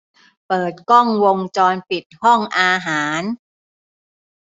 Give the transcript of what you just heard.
เปิดกล้องวงจรปิดห้องอาหาร